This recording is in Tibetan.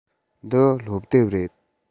འདི སློབ དེབ རེད